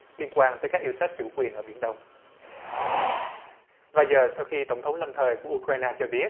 liên quan tới các yêu sách chủ quyền ở biển đông và giờ sau khi tổng thống lâm thời của u cờ ray na cho biết